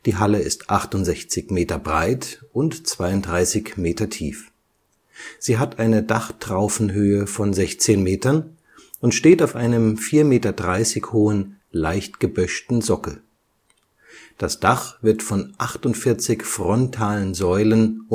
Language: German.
Halle ist 68 Meter breit und 32 Meter tief. Sie hat eine Dachtraufenhöhe von 16 Metern und steht auf einem 4,3 Meter hohen, leicht geböschten Sockel. Das Dach wird von 48 frontalen Säulen